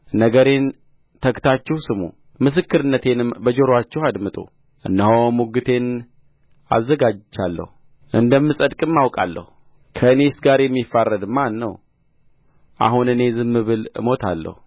ነገሬን ተግታችሁ ስሙ ምስክርነቴንም በጆሮአችሁ አድምጡ እነሆ ሙግቴን አዘጋጅቻለሁ እንደምጸድቅም አውቃለሁ ከእኔስ ጋር የሚፋረድ ማን ነው አሁን እኔ ዝም ብል እሞታለሁ